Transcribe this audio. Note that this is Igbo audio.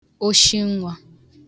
oshinwa